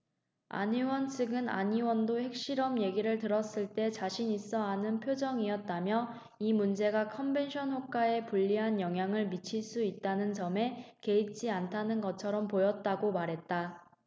안 의원 측은 안 의원도 핵실험 얘기를 들었을 때 자신있어 하는 표정이었다며 이 문제가 컨벤션효과에 불리한 영향을 미칠 수 있다는 점에 개의치 않는 것처럼 보였다고 말했다